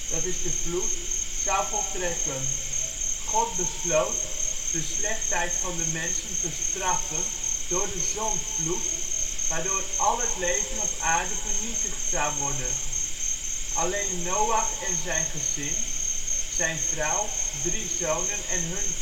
dat is de vloed) zou voltrekken. God besloot de slechtheid van de mensen te straffen door de zondvloed, waardoor al het leven op aarde vernietigd zou worden. Alleen Noach en zijn gezin (zijn vrouw, drie zonen en hun